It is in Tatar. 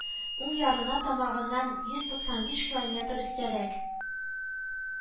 Уң ярына тамагыннан йөз туксан биш километр өстәрәк